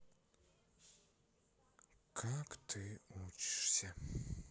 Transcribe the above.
как ты учишься